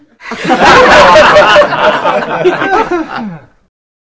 thôi tao zô bệnh viện được khong yên tâm chỗ con làm rẻ hơn bệnh viện nữa